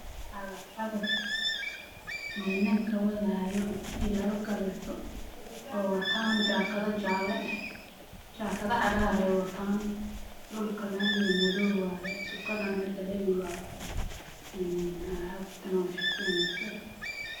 Cagaf cagaf iyo ninka wadaayo oo wato jaakado jaale ah